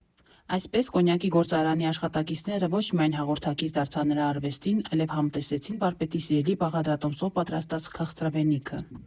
Այսպես, կոնյակի գործարանի աշխատակիցները ոչ միայն հաղորդակից դարձան նրա արվեստին, այլև համտեսեցին վարպետի սիրելի բաղադրատոմսով պատրաստած քաղցրավենիքը։